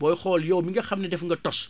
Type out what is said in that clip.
booy xool yow mi nga xam ne def nga tos